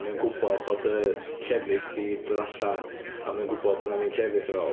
mae'n gwbod bod y llefrith 'di dod allan a mae'n gwbod bod 'na ddim llefrith ar ôl.